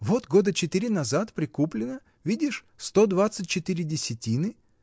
вот года четыре назад прикуплено, — видишь, сто двадцать четыре десятины.